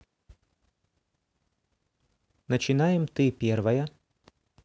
начинаем ты первая